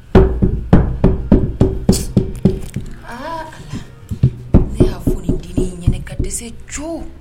Aa Ala . Ne ya fɔ nin dennin ɲɛnɛ ka dɛsɛ co .